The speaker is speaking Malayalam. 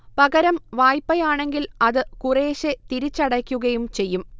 പകരം വായ്പയാണെങ്കിൽ അത് കുറേശേ തിരിച്ചടയ്ക്കുകയും ചെയ്യും